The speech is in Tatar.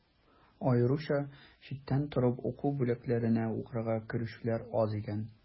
Аеруча читтән торып уку бүлекләренә укырга керүчеләр аз икән.